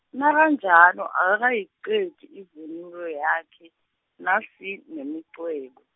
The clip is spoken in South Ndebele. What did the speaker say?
nakanjalo akakayiqedi ivunulo yakhe, nasi nemiqwe- .